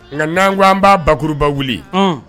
Nka n'an ko an b'a bakuruba wuli